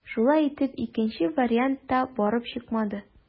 Шулай итеп, икенче вариант та барып чыкмады.